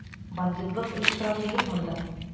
Бандитлык оештырасы юк монда!